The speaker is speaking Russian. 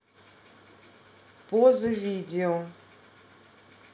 позы видео